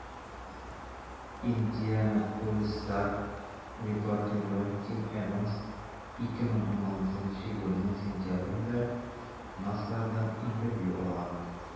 «индианаполис стар» репортеры тим эванс 2016 елның сентябрендә нассардан интервью алган.